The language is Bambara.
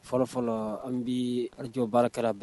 Fɔlɔ fɔlɔ an bɛ alij baara kɛra bɛn